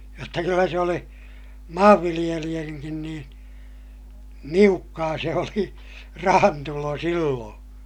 jotta kyllä se oli maanviljelijänkin niin niukkaa se oli rahantulo silloin